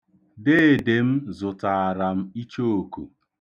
Deede m zụtaara m ichooku.